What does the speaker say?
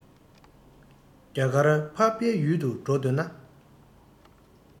རྒྱ གར འཕགས པའི ཡུལ དུ འགྲོ འདོད ན